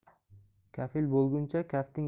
kafil bo'lguncha kafting